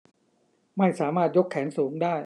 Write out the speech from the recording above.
ไม่สามารถยกแขนสูงได้